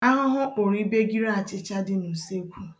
Ahụhụ kpụrụ ibegiri achịcha dị n'usekwu.